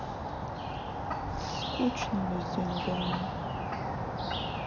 скучно весь день дома